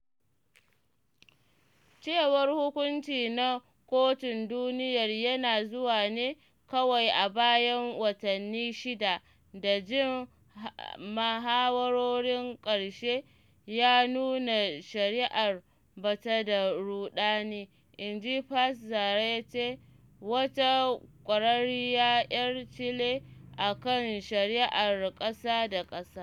Cewar hukunci na Kotun Duniyar yana zuwa ne kawai a bayan watanni shida da jin mahawarorin ƙarshe ya nuna shari’ar “ba ta da rudani,” inji Paz Zárate wata ƙwararriya ‘yar Chile a kan shari’ar ƙasa-da-ƙasa.